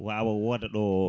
wawa woda ɗo